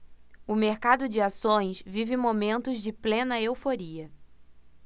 o mercado de ações vive momentos de plena euforia